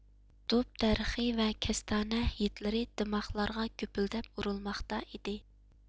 دۇب دەرىخى ۋە كەستانە ھىدلىرى دىماغلارغا گۈپۈلدەپ ئۇرۇلماقتا ئىدى